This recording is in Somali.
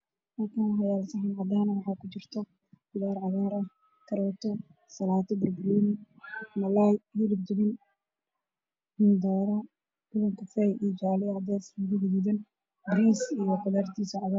Waa qudaar jikin hilib